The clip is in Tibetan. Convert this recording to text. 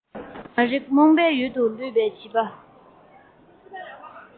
མ རིག རྨོངས པའི ཡུལ དུ ལུས པའི བྱིས པ